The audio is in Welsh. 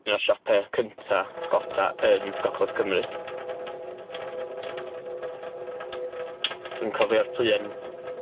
Un o'r siope cynta' sgota yn Gogledd Cymru. Dwi'n cofio'r pluen